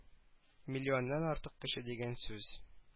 Миллионнан артык кеше дигән сүз